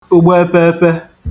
ụgbọ epeepe